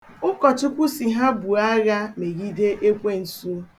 Ụkọchukwu sị ha buo agha megide ekwensu.